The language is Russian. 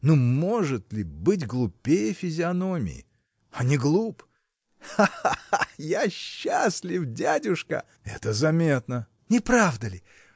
ну, может ли быть глупее физиономия? а неглуп! – Ха, ха, ха! я счастлив, дядюшка! – Это заметно! – Не правда ли?